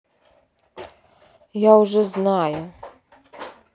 я уже знаю